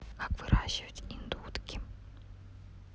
как выращивать индоутки